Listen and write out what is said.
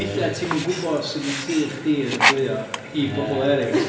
Weithiau ti'm yn gwybod sut ma' tŷ chdi yn ogleuo... Ia. ...i bobl eraill